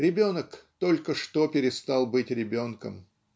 Ребенок только что перестал быть ребенком.